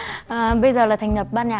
à bây giờ là thành lập ban nhạc